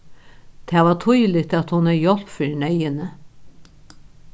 tað var týðiligt at hon hevði hjálp fyri neyðini